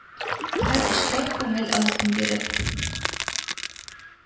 Һәр эшкә күңел ылысын биреп